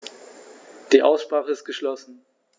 Die Aussprache ist geschlossen.